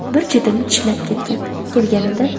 bir chetini tishlab ketgan